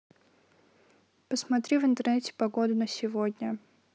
посмотри в интернете погоду на сегодня